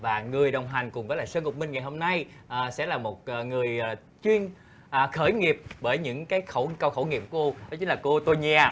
và người đồng hành cùng với lại sơn ngọc minh ngày hôm nay sẽ là một người chuyên khởi nghiệp bởi những cái khẩu câu khẩu nghiệm của cô đó chính là cô tô nhi a